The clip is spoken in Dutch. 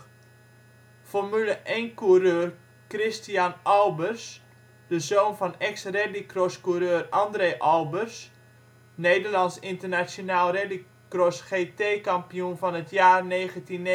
Formule 1 coureur Christijan Albers, de zoon van ex-Rallycross coureur André Albers (Nederlands Internationaal Rallycross GT-kampioen van het jaar 1979